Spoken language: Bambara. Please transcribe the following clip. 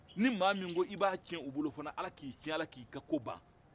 ni maa min ko fana k'i b'a tiɲɛ u bolo ala k'i tiɲɛ ala k'i ka ko ban